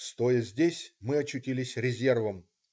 Стоя здесь, мы очутились резервом.